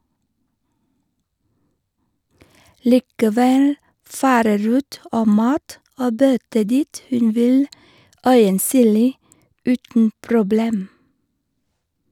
Likevel farer rot og mat og bøtter dit hun vil, øyensynlig uten problem.